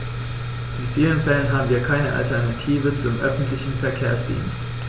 In vielen Fällen haben wir keine Alternative zum öffentlichen Verkehrsdienst.